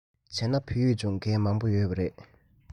བྱས ན བོད ཡིག སྦྱོང མཁན མང པོ ཡོད པ རེད